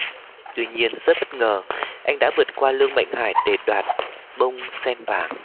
tuy nhiên rất bất ngờ anh đã vượt qua lương mạnh hải để đoạt bông sen vàng